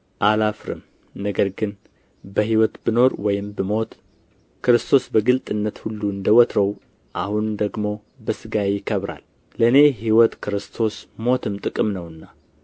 አላፍርም ነገር ግን በህይወት ብኖር ወይም ብሞት ክርስቶስ በግልጥነት ሁሉ እንደ ወትሮው አሁን ደግሞ በስጋዬ ይከብራል ለእኔ ሕይወት ክርስቶስ ሞትም ጥቅም ነውና